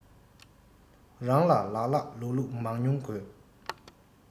རང ལ ལགས ལགས ལུགས ལུགས མང ཉུང དགོས